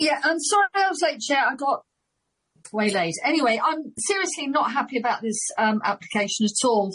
Yeah, I'm sorry I was late chair I got- way laid, anyway I'm seriously not happy about this um application at all.